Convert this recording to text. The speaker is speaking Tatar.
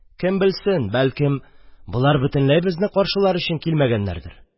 – кем белсен, бәлкем, болар бөтенләй безне каршылар өчен килмәгәндер?